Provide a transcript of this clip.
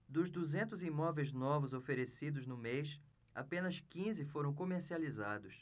dos duzentos imóveis novos oferecidos no mês apenas quinze foram comercializados